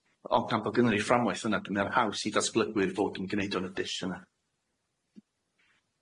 Ond tan bo' gynnon ni fframwaith hwnna dwi'n me'wl ma'n haws i datblygwyr fod yn gneud o yn y dyll yna.